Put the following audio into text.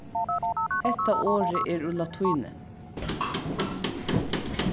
hetta orðið er úr latíni